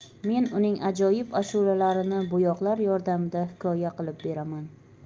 men uning ajoyib ashulalarini bo'yoqlar yordamida hikoya qilib beraman